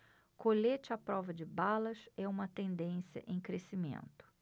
colete à prova de balas é uma tendência em crescimento